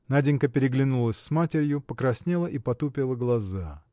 Наденька переглянулась с матерью, покраснела и потупила глаза.